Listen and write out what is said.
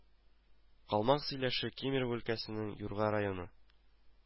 Калмак сөйләше кемерово өлкәсенең юрга районы